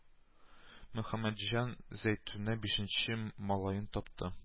Мөхәммәтҗан, Зәйтүнә бишенче малаен тапты